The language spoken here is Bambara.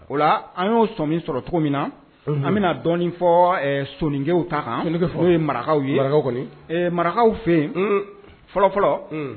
O la, an y'o sɔmi sɔrɔ cogo min na. Unhun. An bɛna dɔɔni fɔ, ɛɛ soninkɛw ta kan. Olu bɛ fo. N'o ye marakaw ye Marakaw kɔni. ƐƐ marakaw fɛ yen, fɔlɔfɔlɔ. Un